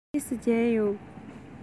རྗེས སུ མཇལ ཡོང